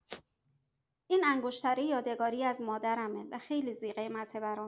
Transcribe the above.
این انگشتره یادگاری از مادرمه و خیلی ذی‌قیمته برام.